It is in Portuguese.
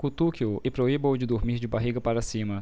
cutuque-o e proíba-o de dormir de barriga para cima